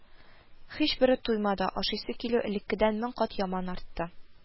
Һичбере туймады, ашыйсы килү элеккедән мең кат яман артты